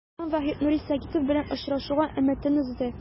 Һәм Вахит Нури Сагитов белән очрашуга өметен өзде.